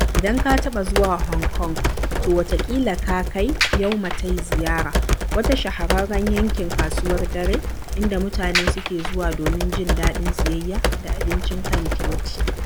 Idan ka taɓa zuwa Hong Kong, to wataƙila ka kai Yau Ma Tei ziyara, wata shahararren yankin kasuwar dare inda mutane suke zuwa domin jin daɗin siyayya da abinci kan titin.